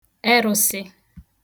erụsị